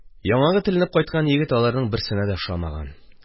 Яңагы теленеп кайткан егет аларның берсенә дә ошамаган.